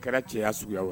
A kɛra cɛ yya suguya ye